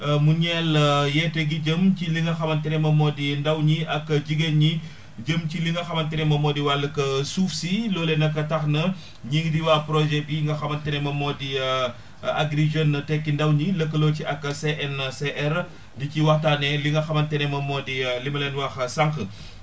mu ñeel yeete gi jëm ci li nga xamante ne moom mooy di ndaw ñi ak jigéen ñi jëm ci li nga xamante ne moom moo di wàllug suuf si loolee nag tax na ñii di waa projet bi nga xamante ne moom moo di Agri Jeunes Tekki ndaw ñi lëkkaloo ci ak CNCR di ci waxtaanee li nga xamante ne moom moo di li ma leen wax sànq